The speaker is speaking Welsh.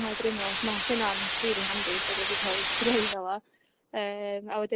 mwynhau dringo so ma' hynna'n rili handi bod o 'di ca'l i greu fel'a ymm a